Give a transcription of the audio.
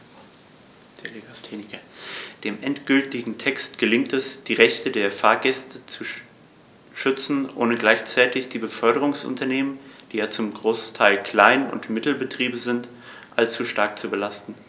Dem endgültigen Text gelingt es, die Rechte der Fahrgäste zu schützen, ohne gleichzeitig die Beförderungsunternehmen - die ja zum Großteil Klein- und Mittelbetriebe sind - allzu stark zu belasten.